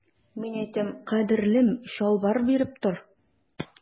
Мин әйтәм, кадерлем, чалбар биреп тор.